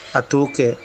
A t'o kɛ